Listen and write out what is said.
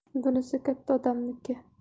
bunisi katta odamniki